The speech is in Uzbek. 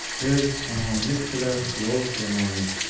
el omonlik tilar yov yomonlik